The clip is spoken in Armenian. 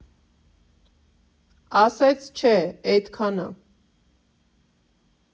Ասեց չէ, էդքան ա։